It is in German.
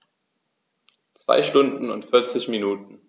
2 Stunden und 40 Minuten